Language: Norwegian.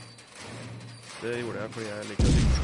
Det gjorde jeg fordi jeg liker å synge.